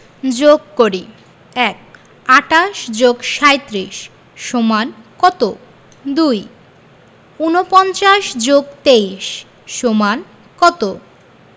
যোগ করিঃ ১ ২৮ + ৩৭ = কত ২ ৪৯ + ২৩ = কত